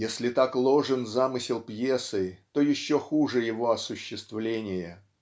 Если так ложен замысел пьесы, то еще хуже его осуществление.